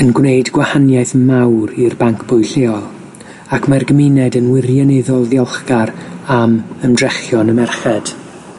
yn gwneud gwahaniaeth mawr i'r banc bwyd lleol, ac mae'r gymuned yn wirioneddol ddiolchgar am ymdrechion y merched.